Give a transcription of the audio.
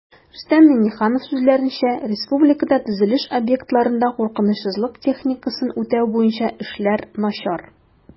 Рөстәм Миңнеханов сүзләренчә, республикада төзелеш объектларында куркынычсызлык техникасын үтәү буенча эшләр начар